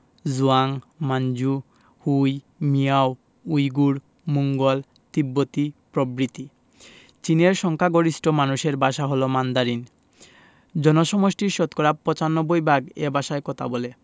Zhuang Manchu Hui Miao Uyghur Mongol তিব্বতি প্রভৃতি চীনের সংখ্যাগরিষ্ঠ মানুষের ভাষা হলো মান্দারিন জনসমষ্টির শতকরা ৯৫ ভাগ এ ভাষায় কথা বলে